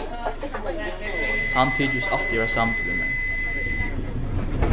hann tykist altíð at vera samdur við mær